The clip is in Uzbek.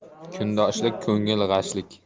kundoshlik ko'ngil g'ashlik